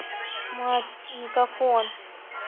мать мегафон